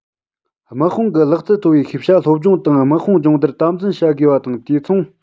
དམག དཔུང གི ལག རྩལ མཐོ བའི ཤེས བྱ སློབ སྦྱོང དང དམག དོན སྦྱོང བརྡར དམ འཛིན བྱ དགོས པ དང དུས མཚུངས